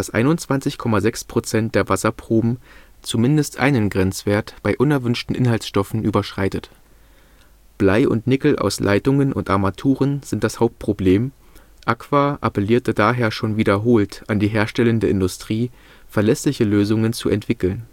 21,6 % der Wasserprobe zumindest einen Grenzwert bei unerwünschten Inhaltsstoffen überschreitet. Blei und Nickel aus Leitungen und Armaturen sind das Hauptproblem; AGA appellierte daher schon wiederholt an die herstellende Industrie, verlässliche Lösungen zu entwickeln